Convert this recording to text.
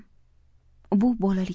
bu bolalikka